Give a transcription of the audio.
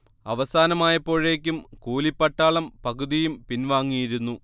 അവസാനമായപ്പോഴേക്കും കൂലിപ്പട്ടാളം പകുതിയും പിൻവാങ്ങിയിരുന്നു